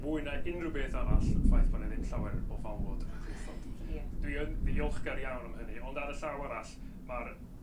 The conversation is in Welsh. Mwy na unryw beth arall ffaith bo' 'na ddim llawer o falwod a gwlithod. Ie. Dwi yn ddiolchgar iawn am hynny ond ar y llaw arall ma'r yy